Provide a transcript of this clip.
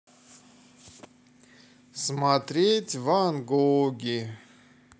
смотреть ван гоги